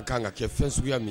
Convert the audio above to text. A kan ka kɛ fɛn suguya minɛ